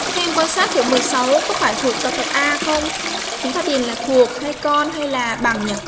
xem quan sát thủ có phải thuộc tập hợp a không tắt đèn là thuộc con hay là bằng nhỉ